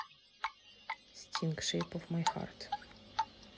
стинг шейп оф май харт